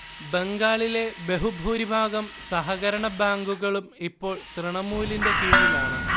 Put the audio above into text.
ബംഗാളിലെ ബഹുഭൂരിഭാഗം സഹകരണ ബാങ്കുകളും ഇപ്പോൾ തൃണമൂലിന്റെ കീഴിലാണ്